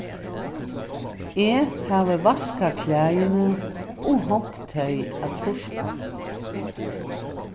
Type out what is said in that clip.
eg havi vaskað klæðini og hongt tey at turka